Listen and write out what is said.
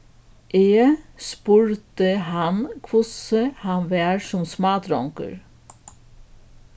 eg spurdi hann hvussu hann var sum smádrongur